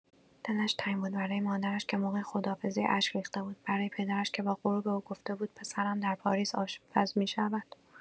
دلش تنگ بود، برای مادرش که موقع خداحافظی اشک ریخته بود، برای پدرش که با غرور به او گفته بود: پسرم در پاریس آشپز می‌شود.